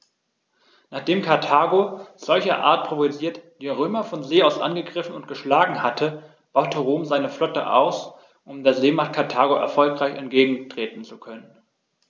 Nachdem Karthago, solcherart provoziert, die Römer von See aus angegriffen und geschlagen hatte, baute Rom seine Flotte aus, um der Seemacht Karthago erfolgreich entgegentreten zu können.